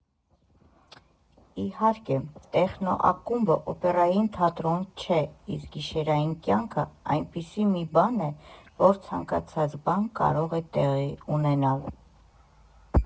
Իհարկե, տեխնո֊ակումբը օպերային թատրոն չէ, իսկ գիշերային կյանքն այնպիսի մի բան է, որ ցանկացած բան կարող է տեղի ունենալ։